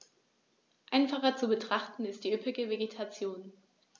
Einfacher zu betrachten ist die üppige Vegetation.